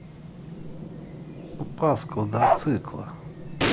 упал с квадроцикла